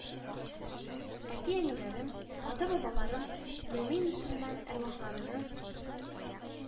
Әти-әниләрем, ата-бабаларым, мөэмин-мөселман әрвахларның